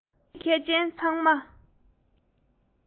ཚན རིག མཁས ཅན ཚང མ